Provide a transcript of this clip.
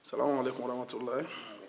salam aley kom warahamatulayi